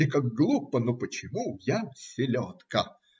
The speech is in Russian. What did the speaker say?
И как глупо; ну почему я селедка?